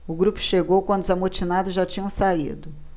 o grupo chegou quando os amotinados já tinham saído